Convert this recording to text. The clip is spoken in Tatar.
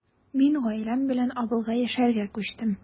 Мин гаиләм белән авылга яшәргә күчтем.